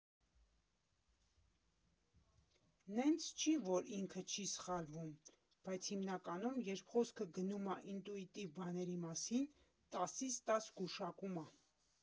Նենց չի, որ ինքը չի սխալվում, բայց հիմնականում, երբ խոսքը գնում ա ինտուիտիվ բաների մասին՝ տասից տաս գուշակում ա։